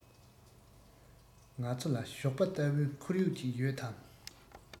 ང ཚོ ལ ཞོགས པ ལྟ བུའི ཁོར ཡུག ཅིག ཡོད དམ